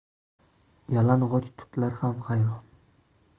yalang'och tutlar ham hayron